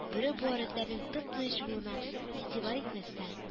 Бүре буар этләренең тып-тыныч булуларына игътибар итмәстән